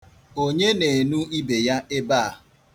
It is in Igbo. Onye na-enu ibe ya ebe a?